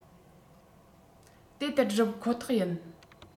དེ ལྟར བསྒྲུབ ཁོ ཐག ཡིན